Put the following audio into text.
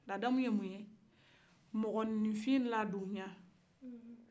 a daminɛ ye mun ye mɔgɔ ni fin la donila